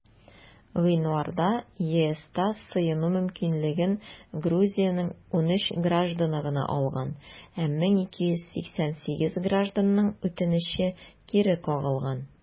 Гыйнварда ЕСта сыену мөмкинлеген Грузиянең 13 гражданы гына алган, ә 1288 гражданның үтенече кире кагылган.